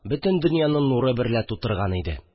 Бөтен дөньяны нуры берлә тутырган иде